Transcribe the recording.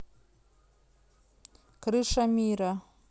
крыша мира